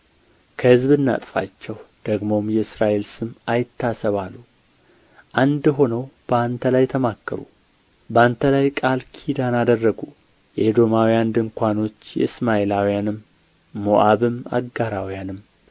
ከሕዝብ እናጥፋቸው ደግሞም የእስራኤል ስም አይታሰብ አሉ አንድ ሆነው በአንተ ላይ ተማከሩ በአንተ ላይ ቃል ኪዳን አደረጉ የኤዶማውያን ድንኳኖች እስማኤላውያንም ሞዓብም አጋራውያንም